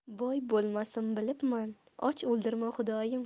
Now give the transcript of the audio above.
boy bo'lmasim bilibman och o'ldirma xudoyim